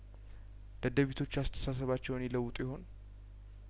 ደደቢቶች አስተሳሰባቸውን ይለውጡ ይሆን